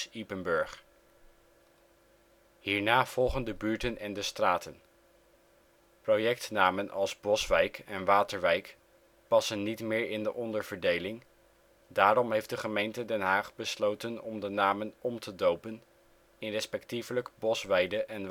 Ypenburg. Hierna volgen de buurten en de straten. Projectnamen als Boswijk en Waterwijk passen niet meer in de onderverdeling, daarom heeft de gemeente Den Haag besloten om de namen om te dopen in respectievelijk Bosweide en